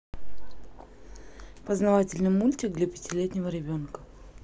познавательный мультик для пятилетнего ребенка